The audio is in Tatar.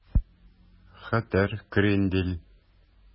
Хәтәр крендель